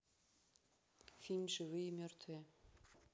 фильм живые и мертвые